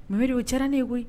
Mori o ca ne ye koyi